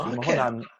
A oce. A ma' hwnna'n